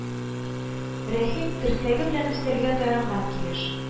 Рәхим, терсәге белән өстәлгә таянган килеш: